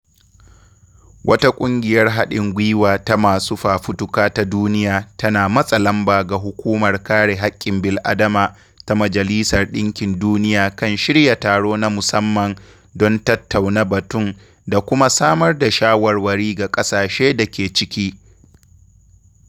Wata ƙungiyar haɗin gwiwa ta masu fafutuka ta duniya tana matsa lamba ga Hukumar Kare Haƙƙin Bil'adama ta Majalisar Ɗinkin Duniya kan shirya taro na musamman don tattauna batun da kuma samar da shawarwari ga ƙasashe da ke ciki.